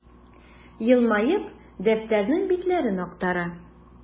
Елмаеп, дәфтәрнең битләрен актара.